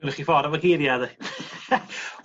Gynnych chi ffor efo geiria' 'de.